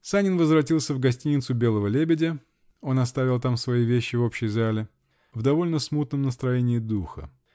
Санин возвратился в гостиницу "Белого лебедя" (он оставил там свои вещи в общей зале) в довольно смутном настроении духа.